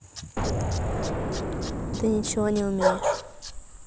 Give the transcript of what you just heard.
ты ничего не умеешь